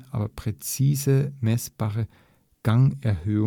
aber präzise messbare Gang-Erhöhung